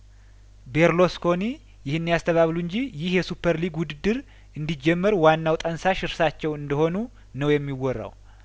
ቤርሎስኮኒ ይህን ያስተባብሉ እንጂ ይህ የሱፐር ሊግ ውድድር እንዲ ጀመር ዋናው ጠንሳሽ እርሳቸው እንደሆኑ ነው የሚወራው